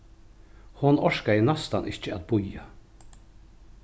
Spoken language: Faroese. hon orkaði næstan ikki at bíða